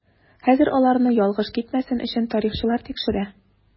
Хәзер аларны ялгыш китмәсен өчен тарихчылар тикшерә.